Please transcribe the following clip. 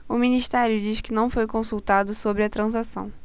o ministério diz que não foi consultado sobre a transação